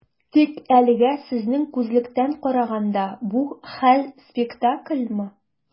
Тик әлегә, сезнең күзлектән караганда, бу хәл - спектакльмы?